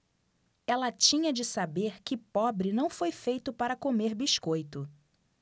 ela tinha de saber que pobre não foi feito para comer biscoito